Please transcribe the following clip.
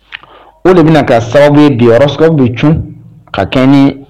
O de bɛna ka sababu diyɔrɔso bɛ c ka kɛ ye